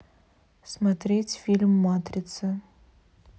смотреть фильм матрица